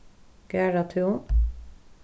garðatún